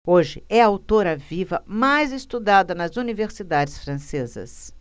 hoje é a autora viva mais estudada nas universidades francesas